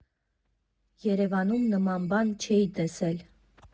Երևանում նման բան չէի տեսել։